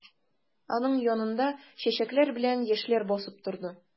Аның янында чәчәкләр белән яшьләр басып торды.